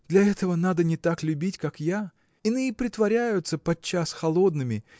Для этого надо не так любить, как я. Иные притворяются подчас холодными